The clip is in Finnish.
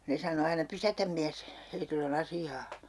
ne sanoi aina pysäytä mies heillä on asiaa